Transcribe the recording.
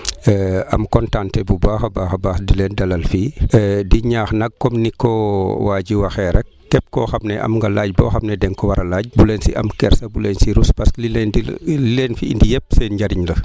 am kontante bu baax a baax a baax di leen dalal fii di ñaax nag comme ni ko waa ji waxee rek képp koo xam ne am nga laaj boo xam ne da nga ko war a laaj bu leen si am kersa bu leen si rus parce que li leen di li leen fi indi yëpp seen njëriñ la